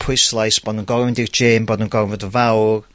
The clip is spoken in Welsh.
pwyslais, bo' nw'n gorfod mynd i'r gym, bod nw'n gor'o' fod yn fawr.